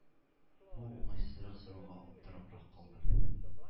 Бу уңайсызрак сорауга аптырабрак калдым.